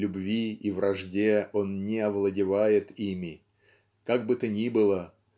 любви и вражде он не овладевает ими как бы то ни было